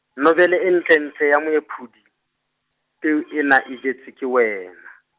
Nobele e ntlentle ya Moephuli, Peo ena e jetswe ke wena.